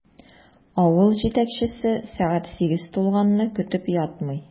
Авыл җитәкчесе сәгать сигез тулганны көтеп ятмый.